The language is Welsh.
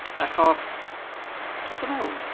Achos, I don't know.